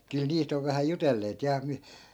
kyllä niistä on vähän jutelleet ja -